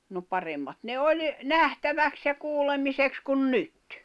no paremmat ne oli nähtäväksi ja kuulemiseksi kuin nyt